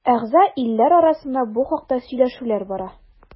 Әгъза илләр арасында бу хакта сөйләшүләр бара.